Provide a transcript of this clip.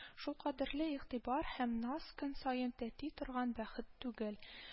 Шул кадәрле игътибар һәм наз көн саен тәти торган бәхет түгел